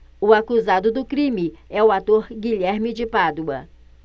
o acusado do crime é o ator guilherme de pádua